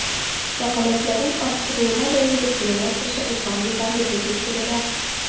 Вәкаләтләрен арттыруына бәйле җинаять эше узган елдан бирле тикшерелә.